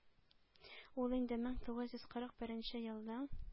Ул инде мең тугыз йөз кырык беренче елның